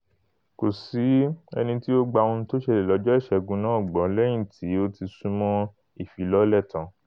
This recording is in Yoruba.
Kòsí ẹni t́i ó̀ gba ohun tó ́ṣẹlẹ̀ lọ́jọ́ Ìṣẹ́gun naa gbọ́, lẹyìn ti oti súnmọ́ ìfilọ́lẹ̀ taǹ.